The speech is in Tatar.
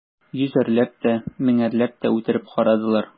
Йөзәрләп тә, меңәрләп тә үтереп карадылар.